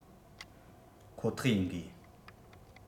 ཁོ ཐག ཡིན དགོས